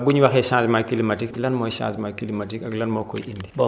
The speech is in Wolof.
waaw bu ñu waxee changement climatique lan mooy changement climatique ak lan moo koy indi